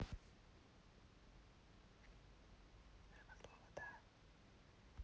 лера козлова да